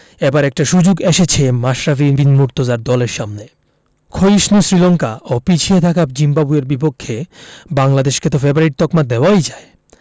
এবার একটা সুযোগ এসেছে মাশরাফি বিন মুর্তজার দলের সামনে ক্ষয়িষ্ণু শ্রীলঙ্কা ও পিছিয়ে থাকা জিম্বাবুয়ের বিপক্ষে বাংলাদেশকে তো ফেবারিট তকমা দেওয়াই যায়